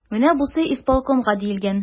Менә бусы исполкомга диелгән.